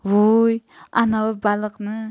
vuy anavi baliqni